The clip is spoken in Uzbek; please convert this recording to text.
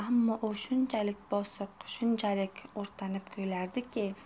ammo u shunchalik bosiq shunchalik o'rtanib kuylardiki